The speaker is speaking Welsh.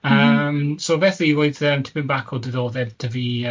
Yym so felly roedd yym tipyn bach o diddordeb 'da fi yym